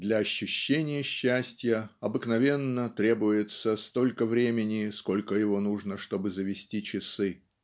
"Для ощущения счастья обыкновенно требуется столько времени сколько его нужно чтобы завести часы"